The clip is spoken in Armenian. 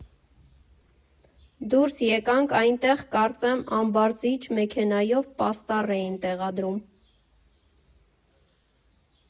Դուրս եկանք, այնտեղ, կարծեմ, ամբարձիչ մեքենայով պաստառ էին տեղադրում։